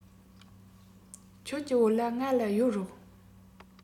ཁྱོད ཀྱི བོད ལྭ ང ལ གཡོར རོགས